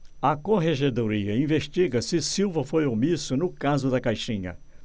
a corregedoria investiga se silva foi omisso no caso da caixinha